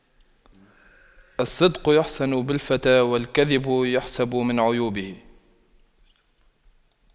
الصدق يحسن بالفتى والكذب يحسب من عيوبه